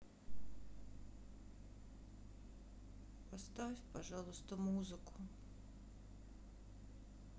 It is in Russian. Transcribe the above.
поставь пожалуйста музыку